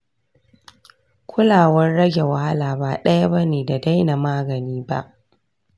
kulawar rage wahala ba ɗaya bane da daina magani ba.